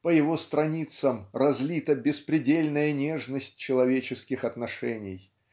По его страницам разлита беспредельная нежность человеческих отношений